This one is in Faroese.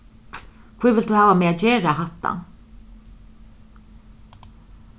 hví vilt tú hava meg at gera hatta